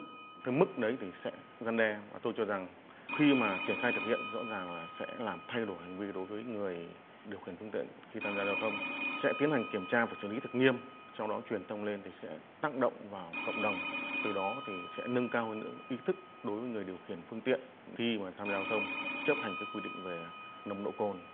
cái mức đấy thì sẽ răn đe và tôi cho rằng khi mà triển khai thực hiện rõ ràng là sẽ làm thay đổi hành vi đối với người điều khiển phương tiện khi tham gia giao thông sẽ tiến hành kiểm tra và xử lý thật nghiêm trong đó truyền thông lên thì sẽ tác động vào cộng đồng từ đó thì sẽ nâng cao hơn nữa ý thức đối với người điều khiển phương tiện khi mà tham giao thông chấp hành các quy định về nồng độ cồn